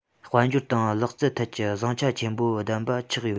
དཔལ འབྱོར དང ལག རྩལ ཐད ཀྱི བཟང ཆ ཆེན པོ ལྡན པ ཆགས ཡོད